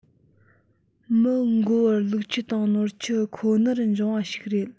མི འགོ བར ལུག ཁྱུ དང ནོར ཁྱུ ཁོ ནར འབྱུང བ ཞིག རེད